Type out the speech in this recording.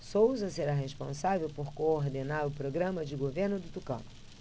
souza será responsável por coordenar o programa de governo do tucano